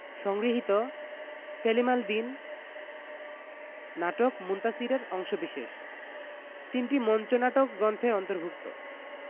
সংগৃহীত সেলিম আল দীন নাটক মুনতাসীর এর অংশবিশেষ তিনটি মঞ্চনাটক গ্রন্থের অন্তর্ভুক্ত